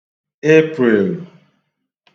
Eprèèl